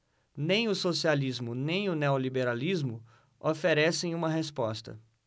nem o socialismo nem o neoliberalismo oferecem uma resposta